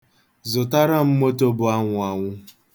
Zụtara m moto bụ anwụanwụ.